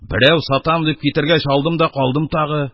Берәү сатам дип китергәч, алдым да калдым тагы.